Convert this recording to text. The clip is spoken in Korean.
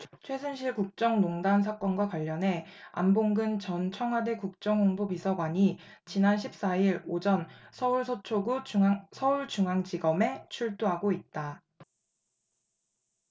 최순실 국정농단 사건과 관련해 안봉근 전 청와대 국정홍보비서관이 지난 십 사 일 오전 서울 서초구 서울중앙지검에 출두하고 있다